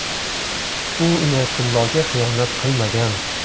u inoyatulloga xiyonat qilmagan